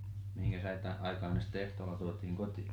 mihinkäs - aikaan ne sitten ehtoolla tuotiin kotiin